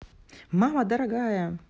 мама дорогая